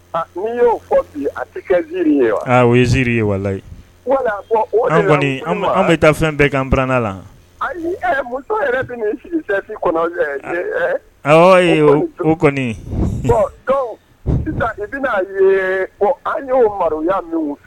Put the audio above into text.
Ye ziiri ye an bɛ taa fɛn bɛɛ ka ban la